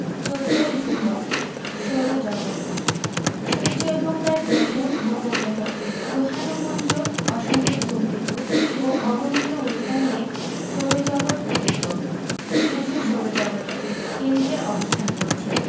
১৪ ভূগোল সৌরজগৎ সূর্য এবং তার গ্রহ উপগ্রহ গ্রহাণুপুঞ্জ অসংখ্য ধুমকেতু ও অগণিত উল্কা নিয়ে সৌরজগৎ গঠিত সূর্য সৌরজগতের কেন্দ্রে অবস্থান করছে